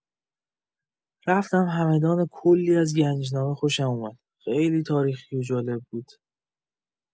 رفتم همدان و کلی از گنجنامه خوشم اومد، خیلی تاریخی و جالب بود.